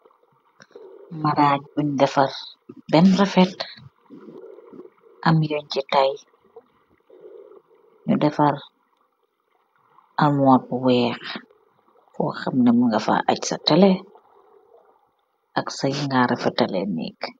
Marrag bun defal bem refet am dencheh kai nyu defar armuwar bo weh bo ham neh mung nga fa agg sah tele ak sah lee nga refatal lee neeg.